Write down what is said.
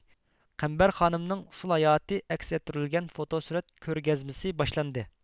قەمبەرخانىمنىڭ ئۇسسۇل ھاياتىي ئەكس ئەتتۈرۈلگەن فوتو سۈرەت كۆرگەزمىسى باشلاندى